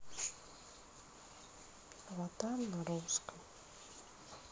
аватар на русском